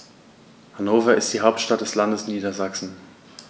Hannover ist die Hauptstadt des Landes Niedersachsen.